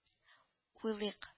Уйлыйк